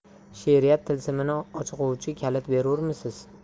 sheriyat tilsimini ochg'uvchi kalit berurmisiz